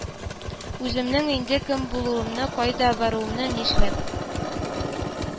Үземнең инде кем булуымны, кайда баруымны, нишләп